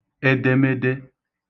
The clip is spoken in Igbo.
edemede